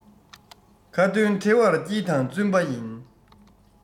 ཁ འདོན གྲེ བར བསྐྱིལ དང བཙུན པ ཡིན